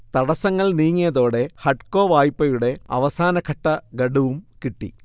തടസ്സങ്ങൾ നീങ്ങിയതോടെ ഹഡ്കോ വായ്പയുടെ അവസാനഘട്ട ഗഡുവും കിട്ടി